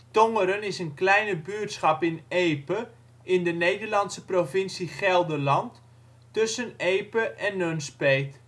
Tongeren is een kleine buurtschap in Epe, in de Nederlandse provincie Gelderland, tussen Epe en Nunspeet